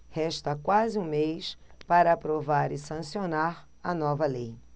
resta quase um mês para aprovar e sancionar a nova lei